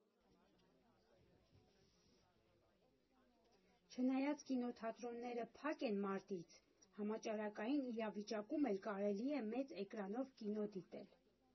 Չնայած կինոթատրոնները փակ են մարտից, համաճարակային իրավիճակում էլ կարելի է մեծ էկրանով կինո դիտել.